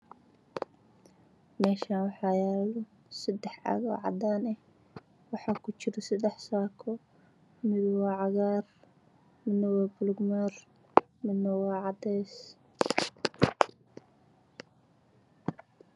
Meeshan waxa yaalo saddex caag oo cadaan ah mid waa qaxwi mid waa caddaan mid waa cagaar waana saaqooyin